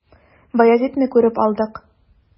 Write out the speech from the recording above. Баязитны күреп алдык.